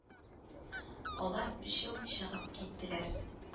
Алар өчәү чыгып киттеләр: